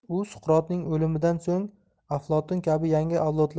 u suqrotning o'limidan so'ng aflotun kabi yangi